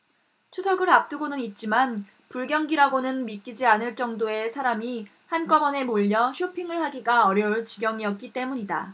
추석을 앞두고는 있지만 불경기라고는 믿기지 않을 정도의 사람이 한꺼번에 몰려 쇼핑을 하기가 어려울 지경이었기 때문이다